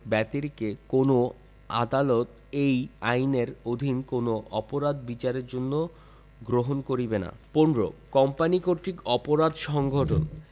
ব্যতিরেকে কোন আদালত এই আইনের অধীন কোন অপরাধ বিচারের জন্য গ্রহণ করিবে না ১৫ কোম্পানী কর্র্তক অপরাধ সংঘটনঃ